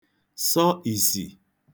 sọ ìsì